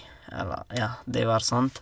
jeg var Ja, det var sånt.